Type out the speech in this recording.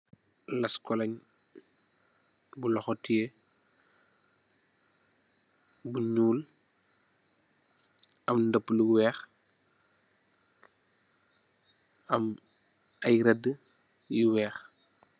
Laskolèn bu loho tè bu ñuul am dapu lu weeh, am ay rëd yu weeh.